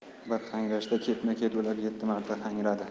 bir hangrashda ketma ket ulab yetti marta hangradi